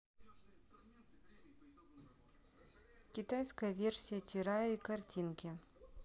китайская версия террарии картинки